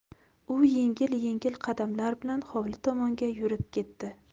u yengil yengil qadamlar bilan hovli tomonga yurib ketdi